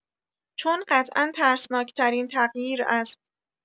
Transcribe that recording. چون قطعا ترسناک‌ترین تغییر است.